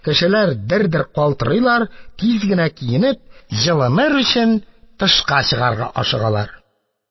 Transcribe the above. Кешеләр дер-дер калтырыйлар, тиз генә киенеп, җылыныр өчен, тышка чыгарга ашыгалар.